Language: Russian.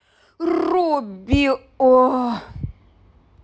руби оо